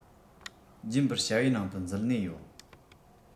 རྒྱུན པར བྱ བའི ནང དུ འཛུལ ནས ཡོད